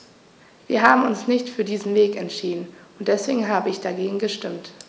Wir haben uns nicht für diesen Weg entschieden, und deswegen habe ich dagegen gestimmt.